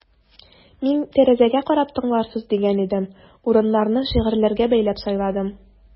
Мин тәрәзәгә карап тыңларсыз дигән идем: урыннарны шигырьләргә бәйләп сайладым.